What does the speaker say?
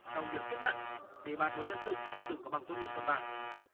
trong việc tiếp nhận đề bạt một nhân sự chưa từng có bằng tốt nghiệp cấp ba